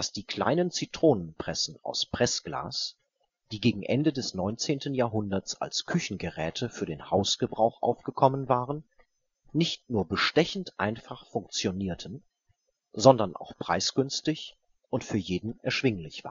die kleinen Zitronenpressen aus Pressglas, die gegen Ende des 19. Jahrhunderts als Küchengeräte für den Hausgebrauch aufgekommen waren, nicht nur bestechend einfach funktionierten, sondern auch preisgünstig und für jeden erschwinglich